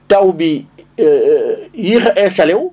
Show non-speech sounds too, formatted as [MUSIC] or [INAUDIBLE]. taw bi [HESITATION] yéex a installé wu